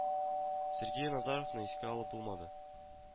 Сергей Назаровны искә алып булмады